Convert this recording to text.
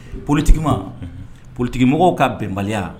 Politigima politigimɔgɔw ka bɛnbaliya